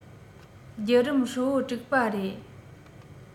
བརྒྱུད རིམ ཧྲིལ པོ དཀྲུགས པ རེད